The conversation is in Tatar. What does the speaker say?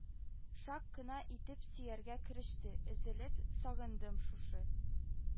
Шак кына итеп сөяргә кереште: – өзелеп сагындым шушы